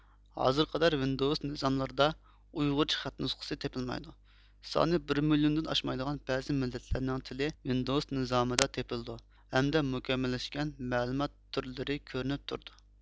ھازىرغا قەدەر ۋىندوۋۇس نىزاملىرىدا ئۇيغۇرچە خەت نۇسخىسى تېپىلمايدۇ سانى بىر مىليوندىن ئاشمايدىغان بەزى مىللەتلەرنىڭ تىلى ۋىندوۋۇس نىزامىدا تېپىلىدۇ ھەمدە مۇكەممەللەشكەن مەلۇمات تورلىرى كۆرۈنۈپ تۇرىدۇ